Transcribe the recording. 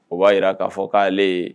O b'a jira k'a fɔ k' ale ye